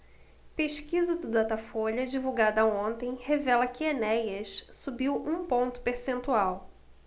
pesquisa do datafolha divulgada ontem revela que enéas subiu um ponto percentual